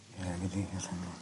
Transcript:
By' raid i fi darllen rŵan.